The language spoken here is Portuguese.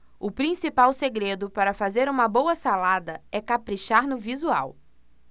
o principal segredo para fazer uma boa salada é caprichar no visual